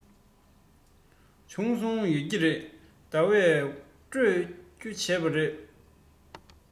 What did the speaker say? དེ བྱུང ཡོད ཀྱི རེད ཟླ བས སྤྲོད རྒྱུ བྱས པ རེད